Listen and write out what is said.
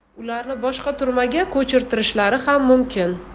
ularni boshqa turmaga ko'chirtirishlari ham mumkin